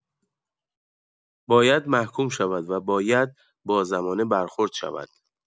باید محکوم شود و باید با زمانه برخورد شود.